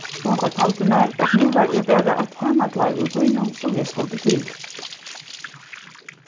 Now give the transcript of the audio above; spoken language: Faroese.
hon fortaldi mær at nú var eg bara eitt hanagleiv úr býnum sum eg skuldi til